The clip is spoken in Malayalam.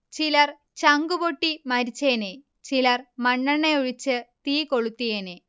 ചിലർ ചങ്കുപൊട്ടി മരിച്ചേനെ, ചിലർ മണ്ണെണ്ണയൊഴിച്ച് തീ കൊളുത്തിയേനെ